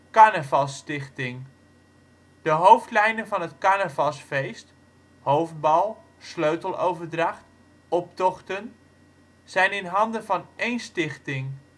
Carnavalsstichting. De hoofdlijnen van het carnavalsfeest (hoofdbal, sleuteloverdracht, optochten) zijn in handen van één stichting